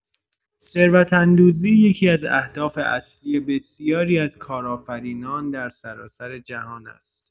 ثروت‌اندوزی یکی‌از اهداف اصلی بسیاری از کارآفرینان در سراسر جهان است.